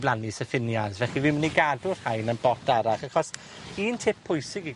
blannu Syphinias, felly fi myn' i gadw rhain yn bot arall achos, un tip pwysig i